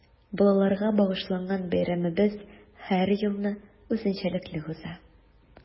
Балаларга багышланган бәйрәмебез һәр елны үзенчәлекле уза.